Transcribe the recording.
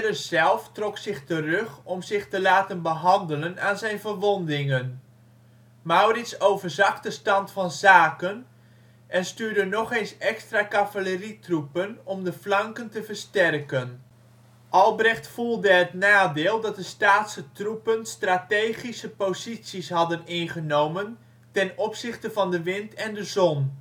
zelf trok zich terug om zich te laten behandelen aan zijn verwondingen. Maurits overzag de stand van zaken en stuurde nogeens extra cavalerietroepen om de flanken te versterken. Albrecht voelde het nadeel dat de Staatse troepen strategische posities hadden ingenomen ten opzichte van de wind en de zon